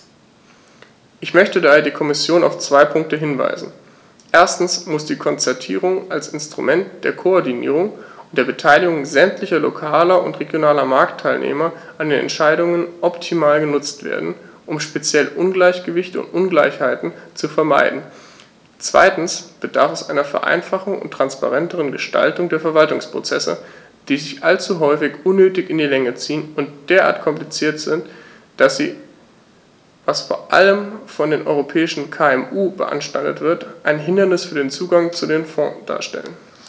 Ich möchte daher die Kommission auf zwei Punkte hinweisen: Erstens muss die Konzertierung als Instrument der Koordinierung und der Beteiligung sämtlicher lokaler und regionaler Marktteilnehmer an den Entscheidungen optimal genutzt werden, um speziell Ungleichgewichte und Ungleichheiten zu vermeiden; zweitens bedarf es einer Vereinfachung und transparenteren Gestaltung der Verwaltungsprozesse, die sich allzu häufig unnötig in die Länge ziehen und derart kompliziert sind, dass sie, was vor allem von den europäischen KMU beanstandet wird, ein Hindernis für den Zugang zu den Fonds darstellen.